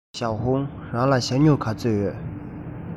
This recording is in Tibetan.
ཞའོ ཧུང རང ལ ཞྭ སྨྱུག ག ཚོད ཡོད